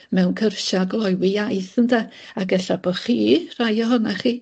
mewn cyrsia gloywi iaith ynde ac ella bo' chi rhai ohonach chi